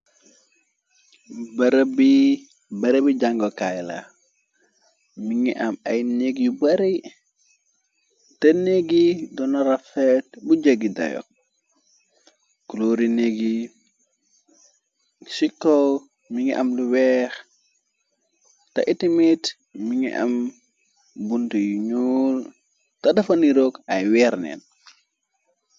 Berebi berebi jàngokaayla, mi ngi am ay negg yu bari. Te neggi dona rafeet bu jagi dayo. kuloori neegi ci kaw mi ngi am lu weex te itimit mi ngi am buntu yu ñuul. Te dafa niroog ay weerneen.